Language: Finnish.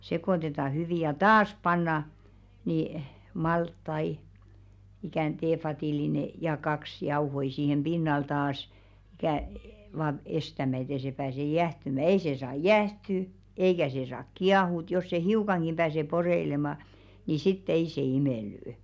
sekoitetaan hyvin ja taas pannaan niin maltaita ikään teevadillinen ja kaksi jauhoja siihen pinnalle taas ikään vain estämään että ei se pääse jäähtymään ei se saa jäähtyä eikä se saa kiehua jos se hiukankin pääsee poreilemaan niin sitten ei se imelly